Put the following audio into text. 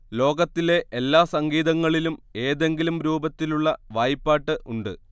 ലോകത്തിലെ എല്ലാ സംഗീതങ്ങളിലും എതെങ്കിലും രൂപത്തിലുള്ള വായ്പ്പാട്ട് ഉണ്ട്